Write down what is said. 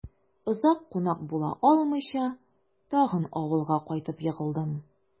Озак кунак була алмыйча, тагын авылга кайтып егылдым...